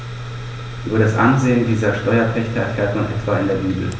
Über das Ansehen dieser Steuerpächter erfährt man etwa in der Bibel.